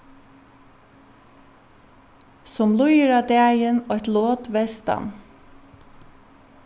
sum líður á dagin eitt lot vestan